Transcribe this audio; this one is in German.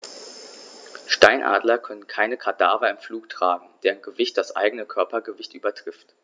Steinadler können keine Kadaver im Flug tragen, deren Gewicht das eigene Körpergewicht übertrifft.